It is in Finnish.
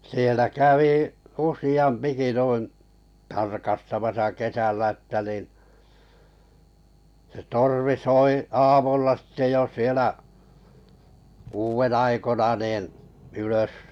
siellä kävi useampikin noin tarkastamassa kesällä että niin se torvi soi aamulla sitten jo siellä kuuden aikoina niin ylös